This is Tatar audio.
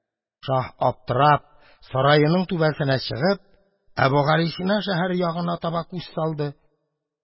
Шаһ, аптырап, сараеның түбәсенә чыгып, Әбүгалисина шәһәре ягына таба күз салды.